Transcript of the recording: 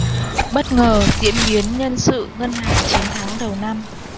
bất ngờ diễn biến nhân sự ngân hàng chín tháng đầu năm